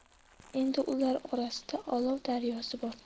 endi ular orasida olov daryosi bor